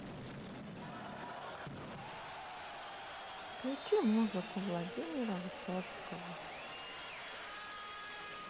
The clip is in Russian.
включи музыку владимира высоцкого